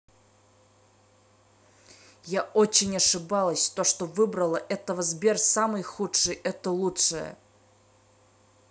я очень ошибалась то что выбрала этого сбер самый худший это лучшее